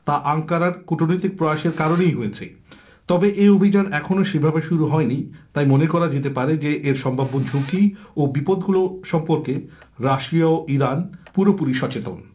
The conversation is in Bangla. তা আঙ্কারার কূটনৈতিক প্রয়াস এর কারণেই হয়েছে অভিযান এখনো সেভাবে শুরু হয়নি তাই মনে করা যেতে পারে যে এর সম্ভাব্য ঝুঁকি ও বিপদ গুলো সম্পর্কে রাশিয়া ও ইরান পুরোপুরি সচেতন